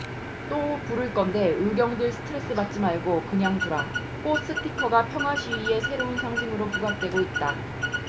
또 붙을 건데 의경들 스트레스 받지 말고 그냥 두라 꽃 스티커가 평화시위의 새로운 상징으로 부각되고 있다